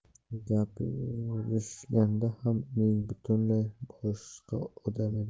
gapirishganda ham uning butunlay boshqa odam edi